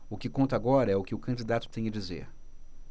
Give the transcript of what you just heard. o que conta agora é o que o candidato tem a dizer